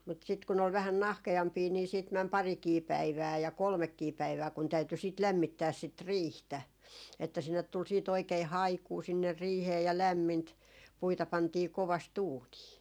mutta sitten kun oli vähän nahkeampia niin sitten meni parikin päivää ja kolmekin päivää kun täytyi sitä lämmittää sitä riihtä että sinne tuli sitten oikein haikua sinne riiheen ja lämmintä puita pantiin kovasti uuniin